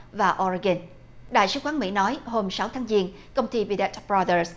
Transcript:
và o ri gừn đại sứ quán mỹ nói hôm sáu tháng giêng công ty pi đát bờ ra dờ